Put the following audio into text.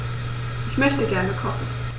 Ich möchte gerne kochen.